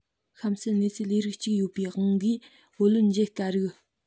གཤམ གསལ གནས ཚུལ ལས རིགས གཅིག ཡོད པའི དབང གིས བུ ལོན འཇལ དཀའ རིགས